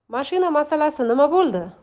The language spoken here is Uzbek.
mashina masalasi nima bo'ldi